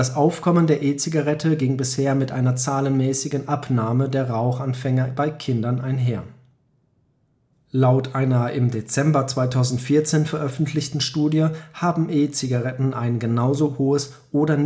Aufkommen der E-Zigarette ging bisher mit einer zahlenmäßigen Abnahme der Rauchanfänger bei Kindern einher. Laut einer im Dezember 2014 veröffentlichten Studie haben E-Zigaretten ein genau so hohes oder